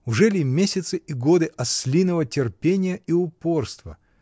Ужели месяцы и годы ослиного терпения и упорства?